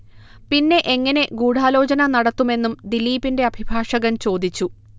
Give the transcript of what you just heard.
പിന്നെ എങ്ങനെ ഗുഢാലോചന നടത്തുമെന്നും ദിലീപിന്റെ അഭിഭാഷകൻ ചോദിച്ചു